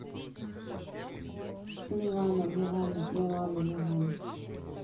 милана милана милана милана